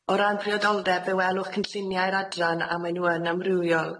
O ran priodoldeb fe welwch cynlluniau'r adran a mae nw yn amrywiol.